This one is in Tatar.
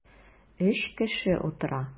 Өч кеше утыра.